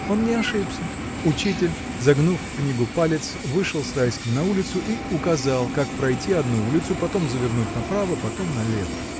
Он не ошибся: учитель, загнув в книгу палец, вышел с Райским на улицу и указал, как пройти одну улицу, потом завернуть направо, потом налево.